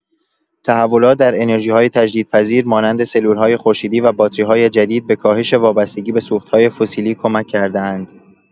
تحولات در انرژی‌های تجدیدپذیر مانند سلول‌های خورشیدی و باتری‌های جدید به کاهش وابستگی به سوخت‌های فسیلی کمک کرده‌اند.